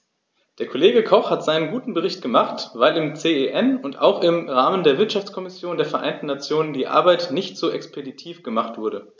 Der Kollege Koch hat seinen guten Bericht gemacht, weil im CEN und auch im Rahmen der Wirtschaftskommission der Vereinten Nationen die Arbeit nicht so expeditiv gemacht wurde.